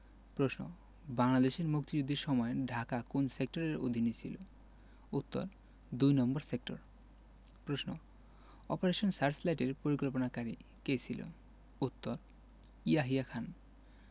প্রশ্ন বাংলাদেশের মুক্তিযুদ্ধের সময় ঢাকা কোন সেক্টরের অধীনে ছিলো উত্তর দুই নম্বর সেক্টর প্রশ্ন অপারেশন সার্চলাইটের পরিকল্পনাকারী কে ছিল উত্তর ইয়াহিয়া খান